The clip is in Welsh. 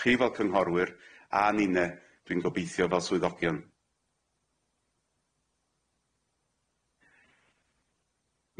Chi fel cynghorwyr a ninne dwi'n gobeithio fel swyddogion.